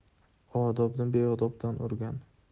odobni beodobdan o'rgan